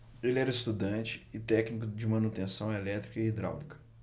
ele era estudante e técnico de manutenção elétrica e hidráulica